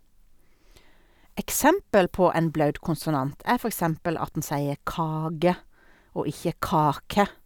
Eksempel på en blaut konsonant er for eksempel at en sier kage og ikke kake.